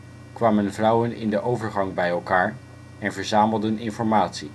kwamen vrouwen in de overgang bijelkaar en verzamelden informatie